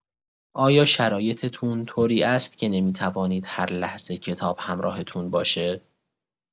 آیا شرایطتون طوری است که نمی‌توانید هر لحظه کتاب همراهتون باشه؟